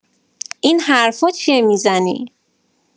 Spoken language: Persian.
این حرفا چیه می‌زنی؟